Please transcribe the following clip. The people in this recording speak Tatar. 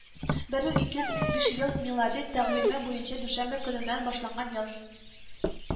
Бер мең ике йөз утыз биш ел милади тәкъвиме буенча дүшәмбе көненнән башланган ел